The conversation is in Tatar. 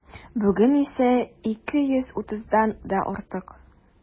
Бүген исә 230-дан да артык.